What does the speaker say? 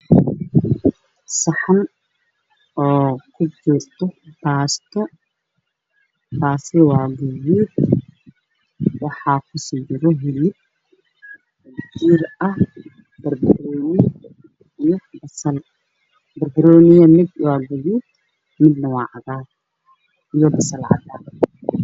Waa saxan waxaa kujiro baasto gaduud ah, hilib, banbanooni iyo basal. Barbanooniga mid waa gaduud midna waa cagaar iyo basal cadaan.